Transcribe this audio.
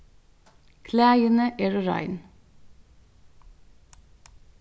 klæðini eru rein